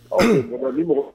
Ɔ mɔgɔ